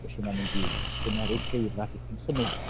Felly mae'n mynd i gymeryd geirfa dipyn symlach.